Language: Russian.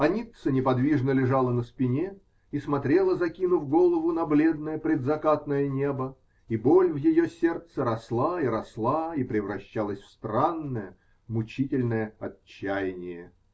А Ницца неподвижно лежала на спине и смотрела, закинув голову, на бледное предзакатное небо, и боль в ее сердце росла и росла и превращалась в странное, мучительное отчаяние.